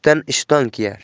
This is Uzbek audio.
sepdan ishton kiyar